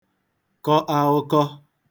kọ aụkọ